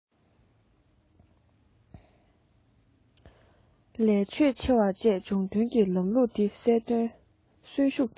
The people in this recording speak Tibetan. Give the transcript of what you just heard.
ལས ཕྱོད ཆེ བ བཅས བྱུང དོན ནི ལམ ལུགས དེ གསོན ཤུགས ལྡན པ